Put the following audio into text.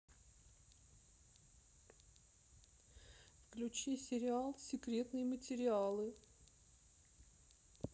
включи сериал секретные материалы